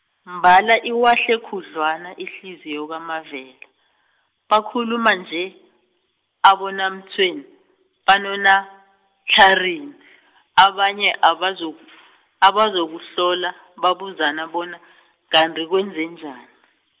mbala iwahle khudlwana ihliziyo kaMavela, bakhuluma nje abonaMtshweni, banonaTlharini , abanye abazo- abazokuhlola, babuzana bona , kanti kwenzanjani .